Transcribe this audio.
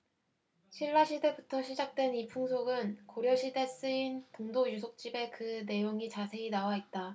신라시대부터 시작된 이 풍속은 고려시대 쓰인 동도유속집에 그 내용이 자세히 나와있다